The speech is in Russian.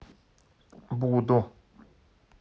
буду